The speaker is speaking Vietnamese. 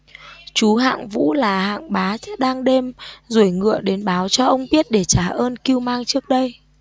chú hạng vũ là hạng bá đang đêm ruổi ngựa đến báo cho ông biết để trả ơn cưu mang trước đây